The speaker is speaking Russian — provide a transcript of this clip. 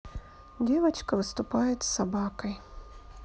девочка выступает с собакой